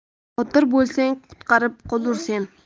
botir bo'lsang qutqarib qolursen